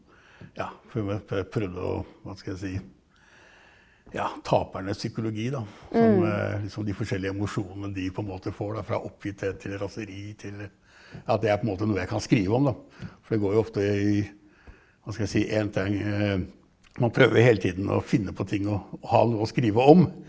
ja jeg prøvde å, hva skal jeg si, ja tapernes psykologi da som liksom de forskjellige emosjonene de på en måte får da fra oppgitthet til raseri til at det er på en måte noe jeg kan skrive om da, for det går jo ofte i hva skal jeg si en ting , man prøver jo hele tiden å finne på ting å å ha noe å skrive om.